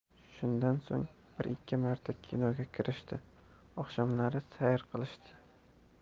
shundan so'ng bir ikki marta kinoga kirishdi oqshomlari sayr qilishdi